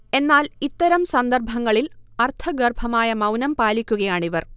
എന്നാൽ ഇത്തരം സന്ദർഭങ്ങളിൽ അർത്ഥഗർഭമായ മൗനം പാലിക്കുകയാണിവർ